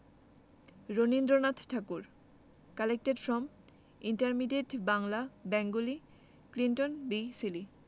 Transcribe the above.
Rabindranath Thakur Collected from Intermediate Bangla Bengali Clinton B Seely